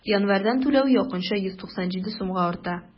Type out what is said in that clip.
Январьдан түләү якынча 197 сумга арта.